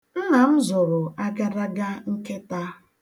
Nna m zụrụ agadaga nkịta.